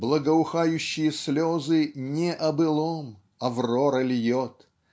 Благоухающие слезы Не о былом Аврора льет